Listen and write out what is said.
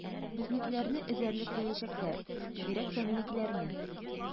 Безнекеләрне эзәрлекләячәкләр, бигрәк тә минекеләрне.